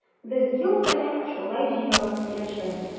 Без ел саен шулай җыелып сөйләшәбез.